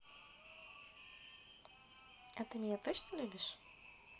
а ты меня точно любишь